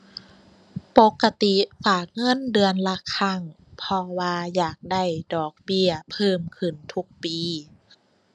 ปกติฝากเงินเดือนละครั้ง เพราะว่าอยากได้ดอกเบี้ยเพิ่มขึ้นทุกปี